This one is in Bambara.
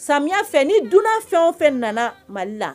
Samiyɛ fɛ ni dunan fɛn o fɛn nana Mali la!